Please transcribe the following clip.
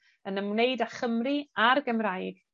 yn ymwneud â Chymru a'r Gymraeg